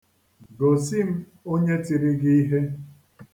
Gosi m onye tiri gị ihe.